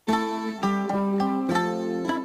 San